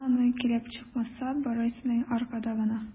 Кара аны, килеп чыкмаса, бары синең аркада гына!